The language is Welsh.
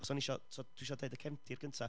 achos o ni isio tibod dwi isio deud y cefndir gynta,